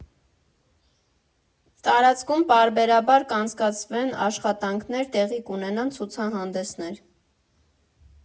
Տարածքում պարբերաբար կանցկացվեն աշխատարաններ, տեղի կունենան ցուցահանդեսներ։